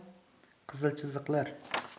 qizil chiziqlar